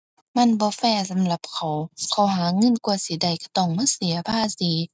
มันบ่แฟร์สำหรับเขา เขาหาเงินกว่าสิได้ก็ต้องมาเสียภาษี